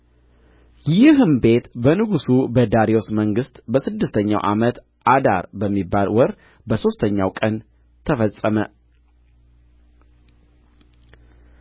ይህም ቤት በንጉሡ በዳርዮስ መንግሥት በስድስተኛው ዓመት አዳር በሚባል ወር በሦስተኛው ቀን ተፈጸመ